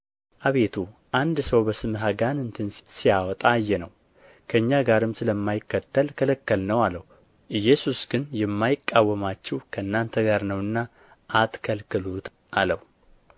አቤቱ አንድ ሰው በስምህ አጋንንትን ሲያወጣ አየነው ከእኛ ጋርም ስለማይከተል ከለከልነው አለው ኢየሱስ ግን የማይቃወማችሁ ከእናንተ ጋር ነውና አትከልክሉት አለው